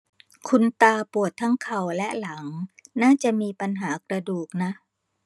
คุณตาปวดทั้งเข่าและหลังน่าจะมีปัญหากระดูกนะ